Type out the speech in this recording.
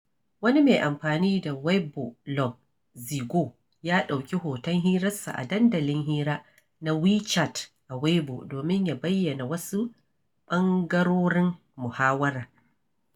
Wani mai amfani da Weibo LongZhigao ya ɗauki hoton hirarsa a dandalin hira na WeChat a Weibo domin ya bayyana wasu ɓangarorin muhawarar.